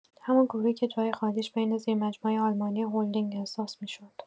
همون گروهی که جای خالیش بین زیر مجموعه‌های آلمانی هولدینگ احساس می‌شد